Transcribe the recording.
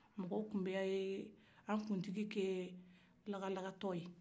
mɔgɔw tun bɛ kira kɛ lagalaga tɔ ye